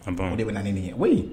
O de bɛ nin ɲininka kɛ wa ye